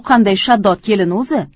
bu qanday shaddod kelin o'zi